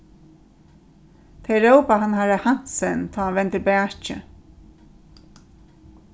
tey rópa hann harra hansen tá hann vendir bakið